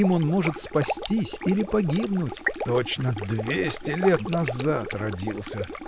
им он может спастись или погибнуть. – Точно двести лет назад родился!